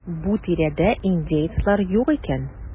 Бу тирәдә индеецлар юк икән.